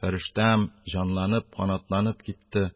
Фирештәм, җанланып, канатланып китте.